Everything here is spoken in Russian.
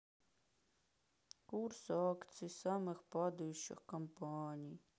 курс акций самых падающих компаний